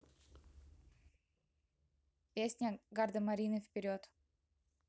песня гардемарины вперед